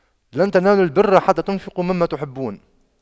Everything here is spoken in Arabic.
لَن تَنَالُواْ البِرَّ حَتَّى تُنفِقُواْ مِمَّا تُحِبُّونَ